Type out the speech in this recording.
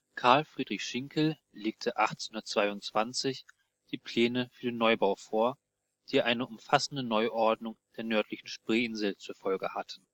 Karl Friedrich Schinkel legte 1822 die Pläne für den Neubau vor, die eine umfassende Neuordnung der nördlichen Spreeinsel zur Folge hatten